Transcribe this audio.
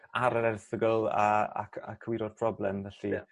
ar yr erthygl a ac a cywiro'r problem felly. Ie.